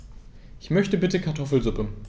Ich möchte bitte Kartoffelsuppe.